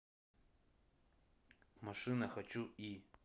машина хочу и